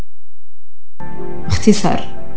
اختصار